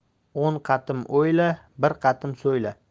o'n qatim o'yla bir qatim so'yla